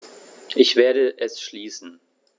Ich werde es schließen.